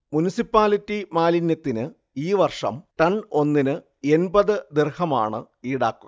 municipality മാലിന്യത്തിന് ഈ വർഷം ടൺ ഒന്നിന് എണ്പത് ദിർഹമാണ് ഇടാക്കുക